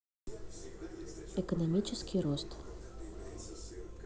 экономический рост